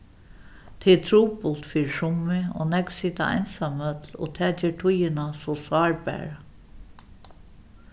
tað er trupult fyri summi og nógv sita einsamøll og tað ger tíðina so sárbara